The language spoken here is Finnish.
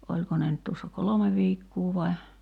oliko ne nyt tuossa kolme viikkoa vai